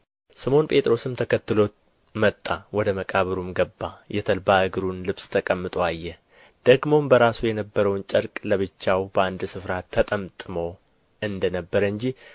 ስምዖን ጴጥሮስም ተከትሎት መጣ ወደ መቃብሩም ገባ የተልባ እግሩን ልብስ ተቀምጦ አየ ደግሞም በራሱ የነበረውን ጨርቅ ለብቻው በአንድ ስፍራ ተጠምጥሞ እንደ ነበረ እንጂ